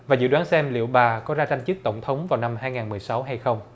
và dự đoán xem liệu bà có ra tranh chức tổng thống vào năm hai ngàn mười sáu hay không